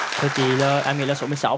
thưa chị em nghĩ là số mười sáu